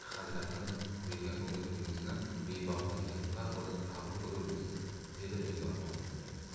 hazratim bergan o'gitingizni bebaho gavhar o'rnida qabul qilurmiz dedi nigor xonim